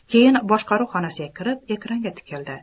keyin boshqaruv xonasiga kirib ekranga tikildi